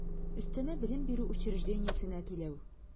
Өстәмә белем бирү учреждениесенә түләү